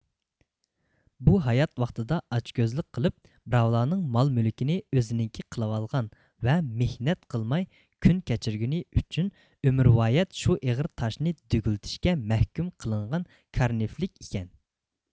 بۇ ھايات ۋاقتىدا ئاچ كۆزلۈك قىلىپ بىراۋلارنىڭ مال مۈلىكىنى ئۆزىنىڭكى قىلىۋالغان ۋە مېھنەت قىلماي كۈن كەچۈرگىنى ئۈچۈن ئۆمۈرۋايەت شۇ ئېغىر تاشنى دۈگىلىتىشكە مەھكۇم قىلىنغان كارىنفلىك ئىكەن